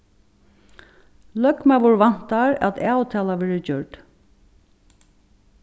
løgmaður væntar at avtala verður gjørd